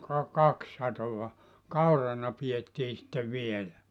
ka kaksi satoa kaurana pidettiin sitten vielä